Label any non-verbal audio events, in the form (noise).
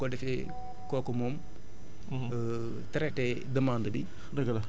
zonale bu institut nationale de pédologie bu ko defee (noise) kooku moom